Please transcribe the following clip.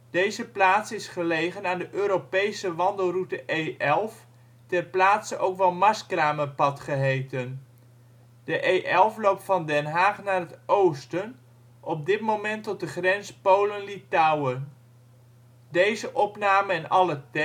Deze plaats is gelegen aan de Europese wandelroute E11, ter plaatse ook wel Marskramerpad geheten. De E11 loopt van Den Haag naar het oosten, op dit moment tot de grens Polen/Litouwen. Plaatsen in de gemeente De Bilt Dorpen: Bilthoven · De Bilt · Groenekan · Hollandsche Rading · Maartensdijk · Westbroek Gehuchten: Achterwetering · Achttienhoven · Blauwkapel (deels) · Nieuwe-Wetering Utrecht · Plaatsen in de provincie Nederland · Provincies · Gemeenten 52° 11 ' NB, 5°